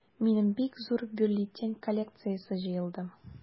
Минем бик зур бюллетень коллекциясе җыелды.